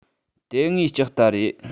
དེ ངའི ལྕགས རྟ རེད